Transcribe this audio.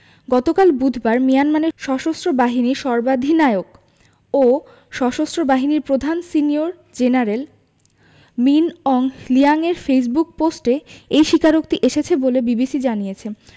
গতকাল বুধবার মিয়ানমার সশস্ত্র বাহিনীর সর্বাধিনায়ক ও সশস্ত্র বাহিনীর প্রধান সিনিয়র জেনারেল মিন অং হ্লিয়াংয়ের ফেসবুক পোস্টে এই স্বীকারোক্তি এসেছে বলে বিবিসি জানিয়েছে